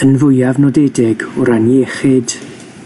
yn fwyaf nodedig o ran iechyd,